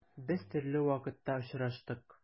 Без төрле вакытта очраштык.